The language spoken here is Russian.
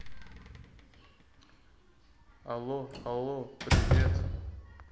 алло алло привет